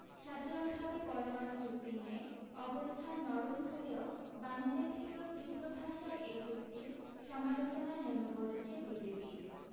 সাধারণভাবে পরমাণু চুক্তি নিয়ে অবস্থান নরম হলেও বামেদের থেকেও তীব্রভাষায় এই চুক্তির সমালোচনায় নেমে পড়েছে বিজেপি